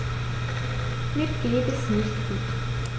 Mir geht es nicht gut.